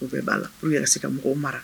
U bɛɛ b'a la u yɛrɛ ti se ka mɔgɔ mara